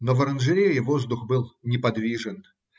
Но в оранжерее воздух был неподвижен